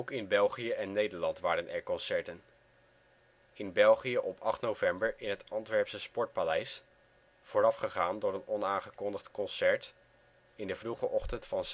in België en Nederland waren er concerten. In België op 8 november in het Antwerpse Sportpaleis, voorafgegaan door een onaangekondigd concert in de vroege ochtend van